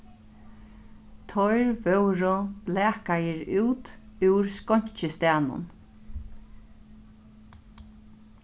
teir vórðu blakaðir út úr skeinkistaðnum